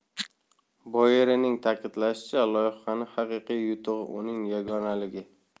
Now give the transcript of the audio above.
boyerining ta'kidlashicha loyihaning haqiqiy yutug'i uning yagonaligi